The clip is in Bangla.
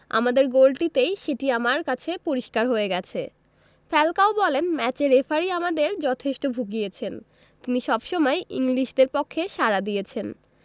আমাদের গোলটিতেই সেটি আমার কাছে পরিস্কার হয়ে গেছে ফ্যালকাও বলেন ম্যাচে রেফারি আমাদের যথেষ্ট ভুগিয়েছেন তিনি সবসময় ইংলিশদের পক্ষে সাড়া দিয়েছেন